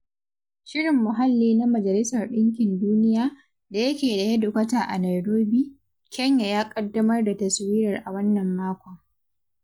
Shirin Muhalli na Majalisar Ɗinkin Duniya, da yake da hedikwata a Nairobi, Kenya ya ƙaddamar da taswirar a wannan makon.